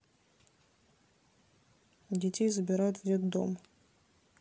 детей забирают в детдом